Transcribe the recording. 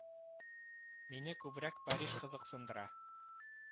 Мине күбрәк Париж кызыксындыра